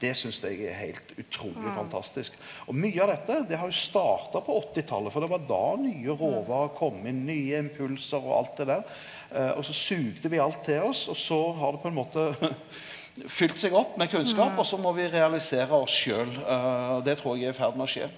det synest eg er heilt utruleg fantastisk, og mykje av dette det har jo starta på åttitalet for det var då nye råvarer kom inn, nye impulsar og alt det der, og så saug vi alt til oss og så har det på ein måte fylt seg opp med kunnskap, og så må vi realisere oss sjølv og det trur eg er i ferd med å skje.